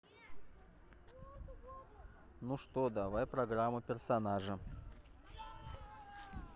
ну что давай программу персонажа